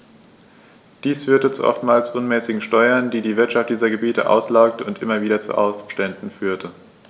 Dies führte zu oftmals unmäßigen Steuern, die die Wirtschaft dieser Gebiete auslaugte und immer wieder zu Aufständen führte.